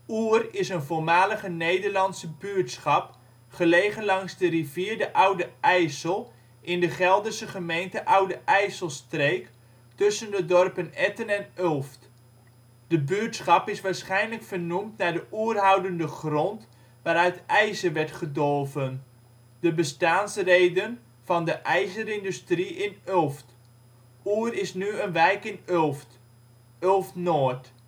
Oer is een voormalige Nederlandse buurtschap gelegen langs de rivier de Oude IJssel in de Gelderse gemeente Oude IJsselstreek tussen de dorpen Etten en Ulft. De buurtschap is waarschijnlijk vernoemd naar de oerhoudende grond waaruit ijzer werd gedolven, de bestaansreden van de ijzerindustrie in Ulft. Oer is nu een wijk in Ulft: Ulft-Noord